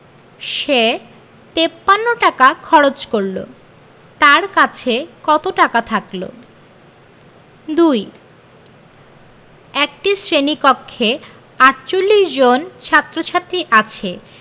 সে ৫৩ টাকা খরচ করল তার কাছে কত টাকা থাকল ২ একটি শ্রেণি কক্ষে ৪৮ জন ছাত্ৰ-ছাত্ৰী আছে